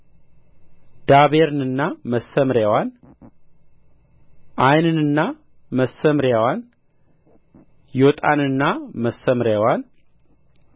ዳቤርንና መሰምርያዋን ዓይንንና መሰምርያዋን ዮጣንና መሰምርያዋን